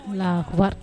Alahu akbar